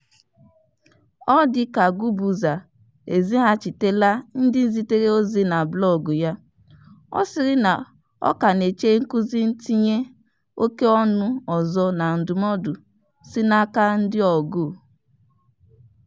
Ọ dị ka Guebuza ezighachitela ndị zitere ozi na Blọọgụ ya, ọ sịrị na ọ ka na-eche nkụzi ntinye oke ọnụ ọzọ na ndụmọdụ si n'aka ndị ọgụụ.